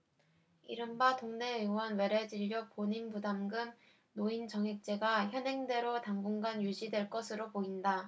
이른바 동네의원 외래진료 본인부담금 노인정액제가 현행대로 당분간 유지될 것으로 보인다